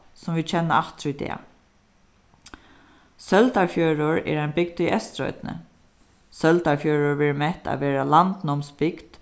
sum vit kenna aftur í dag søldarfjørður er ein bygd í eysturoynni søldarfjørður verður mett at vera landnámsbygd